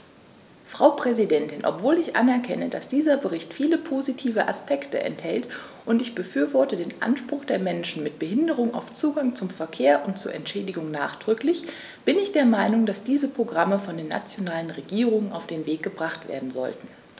Frau Präsidentin, obwohl ich anerkenne, dass dieser Bericht viele positive Aspekte enthält - und ich befürworte den Anspruch der Menschen mit Behinderung auf Zugang zum Verkehr und zu Entschädigung nachdrücklich -, bin ich der Meinung, dass diese Programme von den nationalen Regierungen auf den Weg gebracht werden sollten.